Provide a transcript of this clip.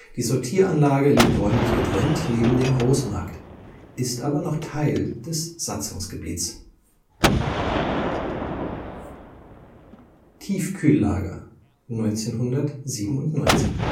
Die Sortieranlage liegt räumlich getrennt neben dem Großmarkt, ist aber noch Teil des Satzungsgebiets. Tiefkühllager (TGM), 1997